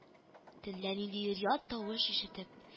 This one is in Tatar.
Төнлә ниндидер ят тавыш ишетеп